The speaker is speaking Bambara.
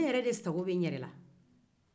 ne yɛrɛ de sago bɛ n yɛrɛ la